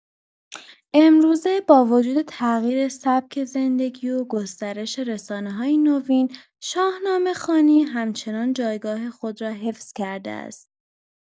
امروزه با وجود تغییر سبک زندگی و گسترش رسانه‌های نوین، شاهنامه‌خوانی همچنان جایگاه خود را حفظ کرده است.